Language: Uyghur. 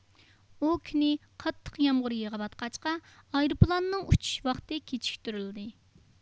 ئۇ كۈنى قاتتىق يامغۇر يېغىۋاتقاچقا ئايروپىلاننىڭ ئۇچۇش ۋاقتى كېچىكتۈرۈلدى